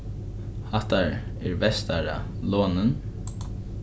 hatta er vestara lonin